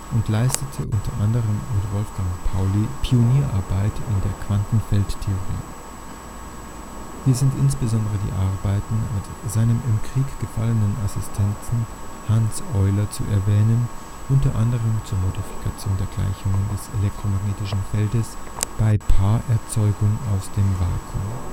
und leistete unter anderem mit Wolfgang Pauli Pionierarbeit in der Quantenfeldtheorie. Hier sind insbesondere die Arbeiten mit seinem im Krieg gefallenen Assistenten Hans Euler zu erwähnen, unter anderem zu Modifikation der Gleichungen des elektromagnetischen Feldes bei Paarerzeugung aus dem Vakuum